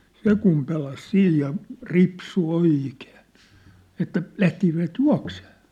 se kun pelasi siinä ja ripsui oikein että lähtisivät juoksemaan